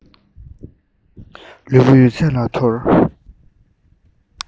ལུས པོ ཡོད ཚད ལ ཐོར